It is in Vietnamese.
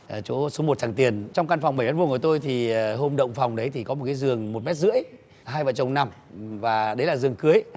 chỗ số một tràng tiền trong căn phòng bảy mét vuông của tôi thì hôm động phòng đấy thì có một cái giường một mét rưỡi hai vợ chồng nằm và đấy là giường cưới